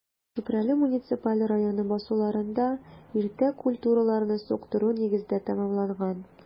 Чүпрәле муниципаль районы басуларында иртә культураларны суктыру нигездә тәмамланган.